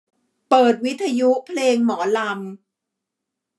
เปิดวิทยุเพลงหมอลำ